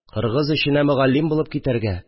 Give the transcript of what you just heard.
Кыргыз эченә мөгаллим булып китәргә